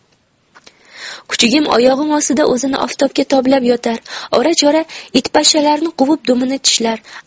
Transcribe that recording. kuchugim oyog'im ostida o'zini oftobga toblab yotar ora chora itpashshalarni quvib dumini tishlar